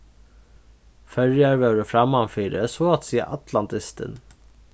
føroyar vóru frammanfyri so at siga allan dystin